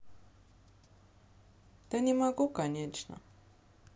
да не могу конечно